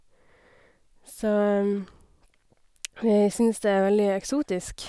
Så vi syns det er veldig eksotisk.